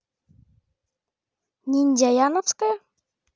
ниндзя яновская